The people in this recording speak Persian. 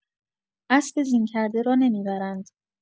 اسب زین کرده را نمی‌برند